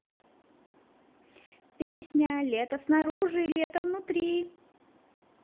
песня лето снаружи лето внутри